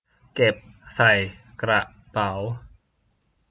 เก็บใส่กระเป๋า